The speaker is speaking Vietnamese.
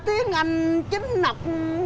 tiếng anh chính nọc